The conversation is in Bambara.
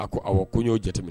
A ko aw ko n y'o jate